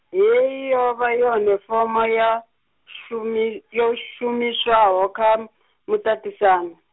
hei yo vha yone fomo ya, shumi-, yo shumishwaho kha, muṱaṱisano.